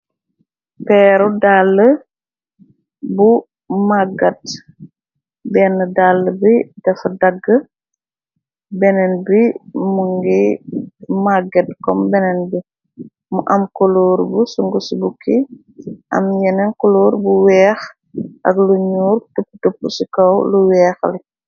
Peeru dàll bu màggat, benn dàll bi dafa dagg, beneen bi mu ngi màggat kom beneen bi, mu am koloor bu sungu ci bukki, am yeneen koloor bu weex, ak lu ñuur tupp, tupp ci kaw lu weexali.